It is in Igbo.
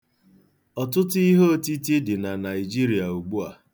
Ọtụtụ iheotiti dị na Naịjirịa ugbu a.